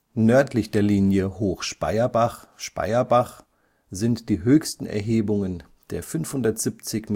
Nördlich der Linie Hochspeyerbach/Speyerbach sind die höchsten Erhebungen der 570,8 m